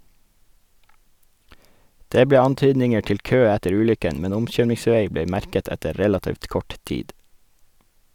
Det ble antydninger til kø etter ulykken, men omkjøringsvei ble merket etter relativt kort tid.